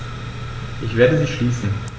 Ich werde sie schließen.